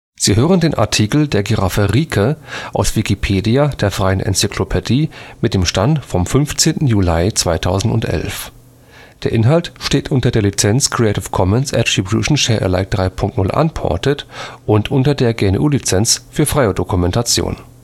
Sie hören den Artikel Rieke (Giraffe), aus Wikipedia, der freien Enzyklopädie. Mit dem Stand vom Der Inhalt steht unter der Lizenz Creative Commons Attribution Share Alike 3 Punkt 0 Unported und unter der GNU Lizenz für freie Dokumentation